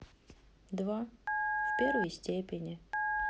два в первой степени